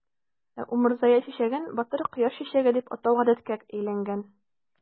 Ә умырзая чәчәген "батыр кояш чәчәге" дип атау гадәткә әйләнгән.